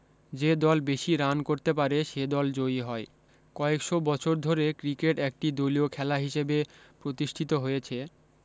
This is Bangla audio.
যে দল বেশী রান করতে পারে সে দল জয়ী হয় কয়েকশ বছর ধরে ক্রিকেট একটি দলীয় খেলা হিসেবে প্রতিষ্ঠিত হয়েছে